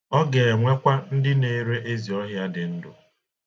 Ọ ga-enwekwa ndị na-ere ezi ọhịa dị ndụ.